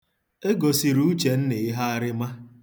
E gosiri Uchenna ihearịma.